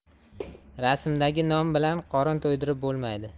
rasmdagi non bilan qorin to'ydirib bo'lmaydi